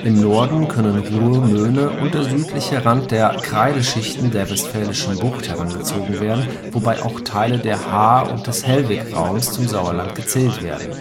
Im Norden können Ruhr, Möhne und der südliche Rand der Kreideschichten der Westfälischen Bucht herangezogen werden, wobei auch Teile der Haar und des Hellwegraums zum Sauerland gezählt werden